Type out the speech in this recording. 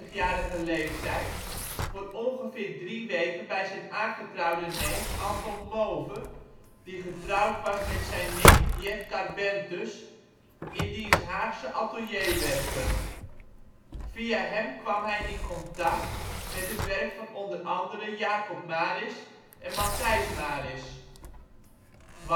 28-jarige leeftijd voor ongeveer drie weken bij zijn aangetrouwde neef Anton Mauve (die getrouwd was met zijn nicht Jet Carbentus) in diens Haagse atelier werken. Via hem kwam hij in contact met het werk van onder anderen Jacob Maris en Matthijs Maris, Weissenbruch